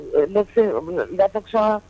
Ne se n da sa